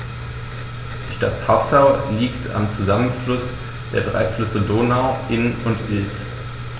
Die Stadt Passau liegt am Zusammenfluss der drei Flüsse Donau, Inn und Ilz.